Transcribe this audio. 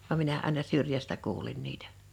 vaan minä aina syrjästä kuulin niitä